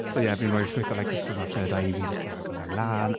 So ie, fi'n rhoi'r llwyth o like crystals ar third eye fi jyst i agor fe lan...